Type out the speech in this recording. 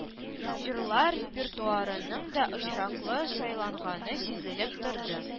Җырлар репертуарының да очраклы сайланганы сизелеп торды